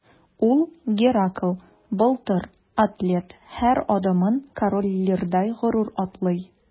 Ул – Геракл, Былтыр, атлет – һәр адымын Король Лирдай горур атлый.